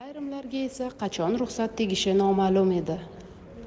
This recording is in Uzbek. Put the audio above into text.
ayrimlarga esa qachon ruxsat tegishi noma'lum edi